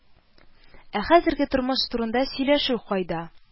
Ә хәзерге тормыш турында сөйләшү кайда